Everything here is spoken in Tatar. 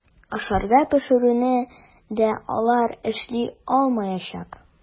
Ашарга пешерүне дә алар эшли алмаячак.